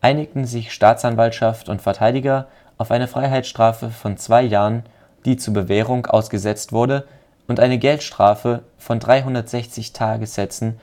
einigten sich Staatsanwaltschaft und Verteidiger auf eine Freiheitsstrafe von 2 Jahren, die zur Bewährung ausgesetzt wurde, und eine Geldstrafe von 360 Tagessätzen